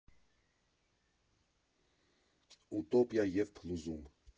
ՈՒՏՈՊԻԱ ԵՒ ՓԼՈՒԶՈՒՄ.